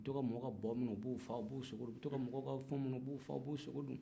u bɛ to ka mɔgɔw ka baw minɛ u b'o faa u b'o sogo dun u bɛ to ka mɔgɔw ka fɛnw nimɛ u b'o faa u b'o sogo dun